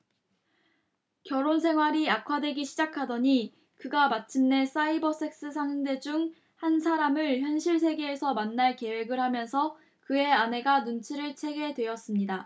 결혼 생활이 악화되기 시작하더니 그가 마침내 사이버섹스 상대 중 한 사람을 현실 세계에서 만날 계획을 하면서 그의 아내가 눈치를 채게 되었습니다